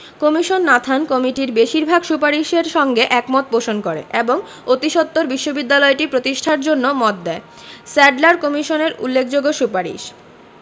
commission Nathan কমিটির বেশির ভাগ সুপারিশের সঙ্গে একমত পোষণ করে এবং অতিসত্বর বিশ্ববিদ্যালয়টি প্রতিষ্ঠার জন্য মত দেয় স্যাডলার কমিশনের উল্লেখযোগ্য সুপারিশ: